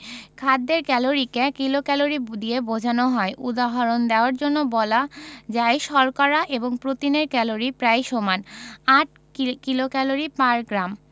খাদ্যের ক্যালরিকে কিলোক্যালরি দিয়ে বোঝানো হয় উদাহরণ দেয়ার জন্যে বলা যায় শর্করা এবং প্রোটিনের ক্যালরি প্রায় সমান ৮ কিলোক্যালরি পার গ্রাম